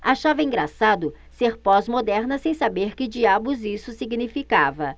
achava engraçado ser pós-moderna sem saber que diabos isso significava